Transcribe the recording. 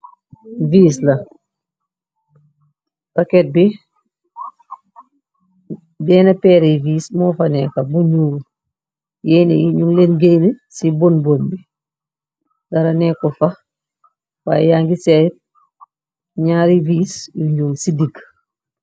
viis la raket bi benn peeri vis moo faneka buñu yeene yi ñu leen géene ci bon boon bi dara nekku fax waaye ya ngi sey ñaari viis yu ñuo ci digg